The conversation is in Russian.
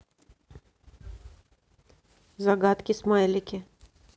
загадки смайлики